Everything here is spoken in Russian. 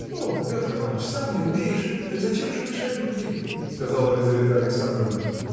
– Полно, Петр Иваныч: сам не умеешь, так зачем же мешать другим? – сказала Лизавета Александровна.